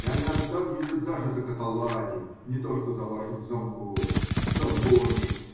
-- Я не отдам ее даже за Каталани, не то что за вашу Дзамбони. Дзамбони!